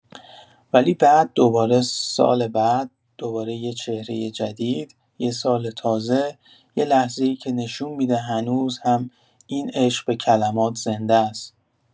ولی بعد دوباره سال بعد، دوباره یه چهرۀ جدید، یه سوال تازه، یه لحظه‌ای که نشون می‌ده هنوز هم این عشق به کلمات زنده‌س.